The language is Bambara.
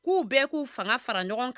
K'u bɛɛ k'u fanga fara ɲɔgɔn kan